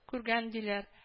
Күргән, диләр